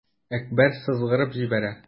Әкбәр сызгырып җибәрә.